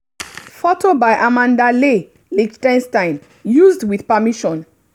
Photo by Amanda Leigh Lichtenstein, used with permission.